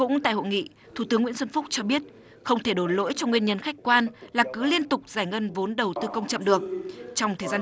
cũng tại hội nghị thủ tướng nguyễn xuân phúc cho biết không thể đổ lỗi cho nguyên nhân khách quan là cứ liên tục giải ngân vốn đầu tư công chậm được trong thời gian